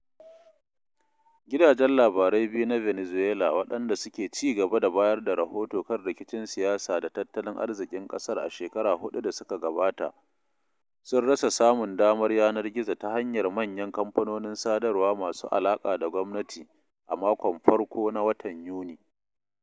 Gidajen labarai biyu na Venezuela waɗanda suke ci gaba da bayar da rahoto kan rikicin siyasa da tattalin arziƙin ƙasar a shekaru huɗu da suka gabata, sun rasa samun damar yanar gizo ta hanyar manyan kamfanonin sadarwa masu alaƙa da gwamnati a makon farko na watan Yuni.